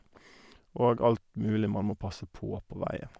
Og alt mulig man må passe på på veien.